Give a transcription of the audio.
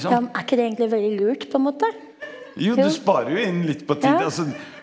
ja, men er ikke det egentlig veldig lurt på en måte, jo ja?